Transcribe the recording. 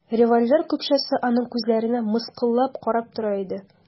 Револьвер көпшәсе аның күзләренә мыскыллап карап тора иде.